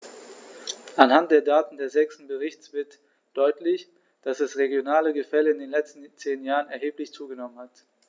Anhand der Daten des sechsten Berichts wird deutlich, dass das regionale Gefälle in den letzten zehn Jahren erheblich zugenommen hat.